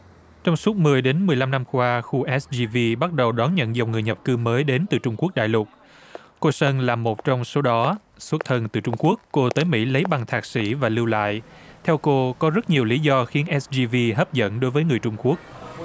trong suốt mười đến mười lăm năm qua khu ét ri vi bắt đầu đón nhận dòng người nhập cư mới đến từ trung quốc đại lục cô sơn là một trong số đó xuất thân từ trung quốc cô tới mỹ lấy bằng thạc sĩ và lưu lại theo cô có rất nhiều lý do khiến ét ri vi hấp dẫn đối với người trung quốc